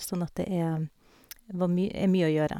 Sånn at det er var my er mye å gjøre.